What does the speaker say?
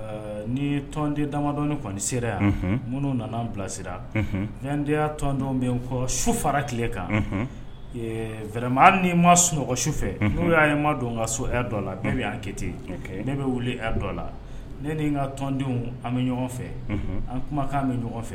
Ni tɔnden damadɔ niɔni sera yan minnu nana an bilasira ndenya' tɔn dɔ min kɔ su fara tile kanɛrɛ nii ma sunɔgɔ su fɛ n'u y'a ma dɔn ka so dɔ la bɛɛ bɛ'an kɛ ten ne bɛ weele dɔ la ne ni ka tɔnden an bɛ ɲɔgɔn fɛ an kumakan bɛ ɲɔgɔn fɛ